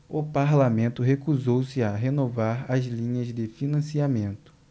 o parlamento recusou-se a renovar as linhas de financiamento